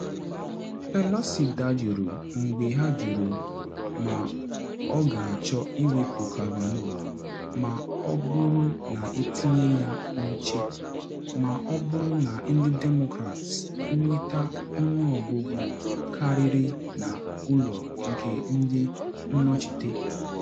Pelosi dajụrụ mgbe ajụrụ ma ọ ga-achọ iwepu Kavanaugh ma ọ bụrụ na etinye ya n’oche, ma ọ bụrụ na ndị Demokrat nweta ọnụọgụgụ karịrị na Ụlọ nke Ndị Nnọchite.